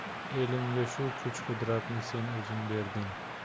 elimga shu kuch qudratni sen o'zing berding